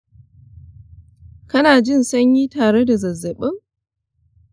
kana jin sanyi tare da zazzabin?